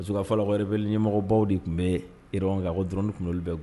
Parceque u ka fɔ la, ko rebelle ɲɛmɔgɔbaw de kun bɛ réunion la ko drones kun bɛ olu bɛɛ